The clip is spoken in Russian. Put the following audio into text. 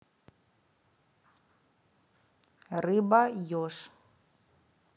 рыба еж